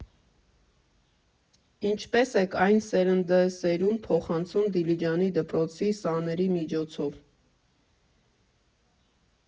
Ինչպե՞ս եք այն սերնդեսերունդ փոխանցում Դիլիջանի դպրոցի սաների միջոցով։